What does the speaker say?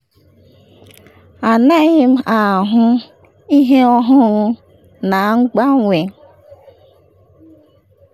Anaghị m ahụ ihe ọhụrụ na-agbanwe.”